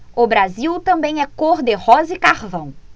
o brasil também é cor de rosa e carvão